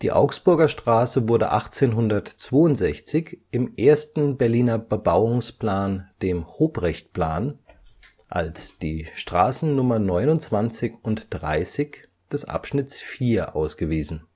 Augsburger Straße wurde 1862 im ersten Berliner Bebauungsplan, dem Hobrecht-Plan, als die Straßen Nr. 29 und 30 des Abschnitts IV ausgewiesen